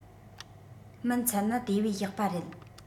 སྨིན ཚད ན དེ བས ཡག པ རེད